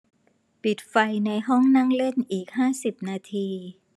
ปิดไฟในห้องนั่งเล่นอีกห้าสิบนาที